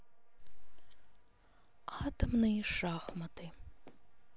атомные шахматы